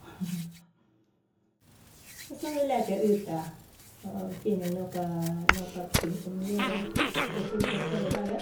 Og så vi leker ute og finner nokka nokka ting som vi gjøre for å fullført hele dagen.